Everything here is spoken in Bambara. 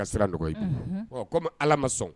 Ka siran n nɔgɔ ye komi ma ala ma sɔn